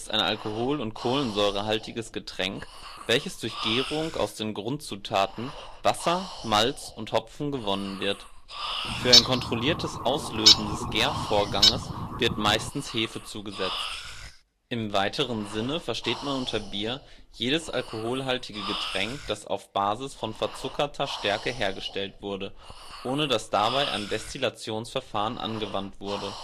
alkohol - und kohlensäurehaltiges Getränk, welches durch Gärung aus den Grundzutaten Wasser, Malz und Hopfen gewonnen wird. Für ein kontrolliertes Auslösen des Gärvorganges wird meistens Hefe zugesetzt. Im weiteren Sinne versteht man unter Bier jedes alkoholhaltige Getränk, das auf Basis von verzuckerter Stärke hergestellt wurde, ohne dass dabei ein Destillationsverfahren angewandt wurde